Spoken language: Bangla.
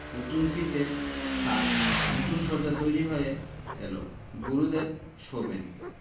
নতুন ফিতের খাট নতুন শয্যা তৈরি হয়ে এলো গুরুদেব শোবেন